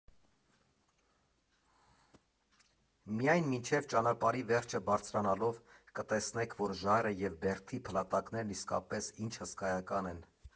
Միայն մինչև ճանապարհի վերջը բարձրանալով՝ կտեսնեք, որ ժայռը և բերդի փլատակներն իսկապես ինչ հսկայական են։